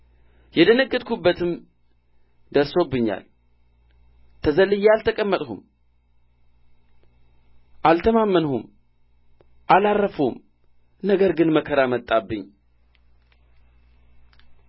የደነገጥሁበትም ደርሶብኛል ተዘልዬ አልተቀመጥሁም አልተማመንሁም አላረፍሁም ነገር ግን መከራ መጣብኝ